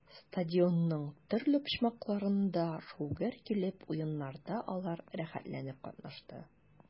Стадионның төрле почмакларында шау-гөр килеп уеннарда алар рәхәтләнеп катнашты.